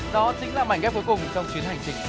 đó chính là mảnh ghép cuối cùng trong chuyến hành trình